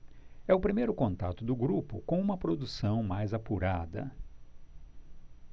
é o primeiro contato do grupo com uma produção mais apurada